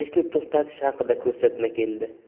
ishni to'xtatish haqida ko'rsatma keldi